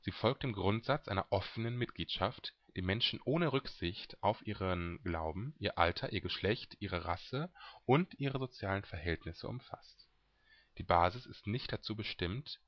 folgt dem Grundsatz einer offenen Mitgliedschaft, die Menschen ohne Rücksicht auf ihren Glauben, ihr Alter, ihr Geschlecht, ihre Rasse und ihre sozialen Verhältnisse umfasst. Die Basis ist nicht dazu bestimmt